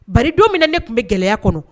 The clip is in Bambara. Ba donmin ne tun bɛ gɛlɛya kɔnɔ